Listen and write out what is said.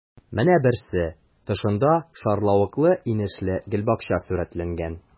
Менә берсе: тышында шарлавыклы-инешле гөлбакча сурәтләнгән.